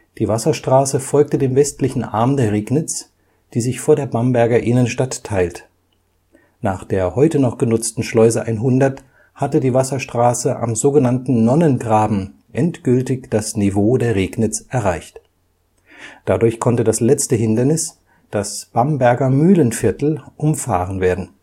Die Wasserstraße folgte dem westlichen Arm der Regnitz, die sich vor der Bamberger Innenstadt teilt. Nach der heute noch genutzten Schleuse 100 hatte die Wasserstraße am sogenannten Nonnengraben endgültig das Niveau der Regnitz erreicht. Dadurch konnte das letzte Hindernis, das Bamberger Mühlenviertel, umfahren werden